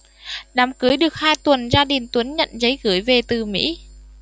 đám cưới được hai tuần gia đình tuấn nhận giấy gửi về từ mỹ